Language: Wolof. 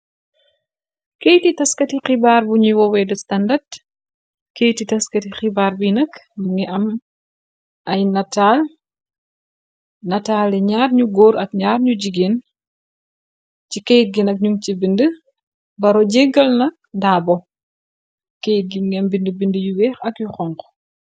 keyti taskati xibaar buñuy wowee du standart keyti taskati xibaar bi nak mu ngi am ay nataali ñaar ñu góor ak ñaar ñu jigeen ci keyt gi nag nu ci bind baro jeggal na daabo keyt gi ngen bind bind yu weex ak yu xonx